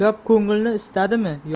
gap ko'ngilni isitadimi yo